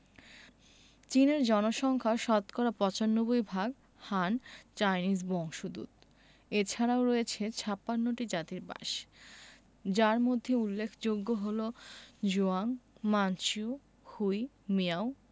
চীনের জনসংখ্যা শতকরা ৯৫ ভাগ হান চাইনিজ বংশোদূত এছারাও রয়েছে আরও ৫৬ টি জাতির বাসযার মধ্যে উল্লেখযোগ্য হলো জুয়াং মাঞ্ঝু হুই মিয়াও